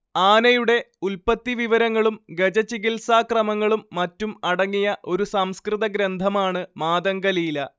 ആനയുടെ ഉൽപത്തിവിവരങ്ങളും ഗജചികിത്സാക്രമങ്ങളും മറ്റും അടങ്ങിയ ഒരു സംസ്കൃത ഗ്രന്ഥമാണ് മാതംഗലീല